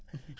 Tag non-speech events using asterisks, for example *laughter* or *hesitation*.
*hesitation* *hesitation*